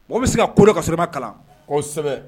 O bɛ se ka ko la ka sɔrɔba kalan kosɛbɛbɛ